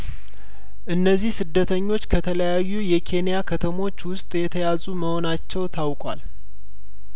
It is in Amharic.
እነዚህ ስደተኞች ከተለያዩ የኬንያከተሞች ውስጥ የተያዙ መሆናቸው ታውቋል